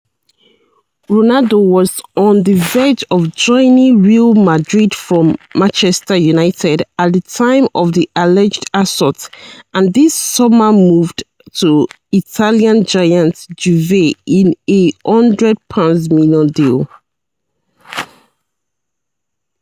Ronaldo was on the verge of joining Real Madrid from Manchester United at the time of the alleged assault, and this summer moved to Italian giants Juve in a €100 million deal.